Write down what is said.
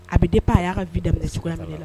A bɛ den ba a y'a ka v da minɛya minɛ la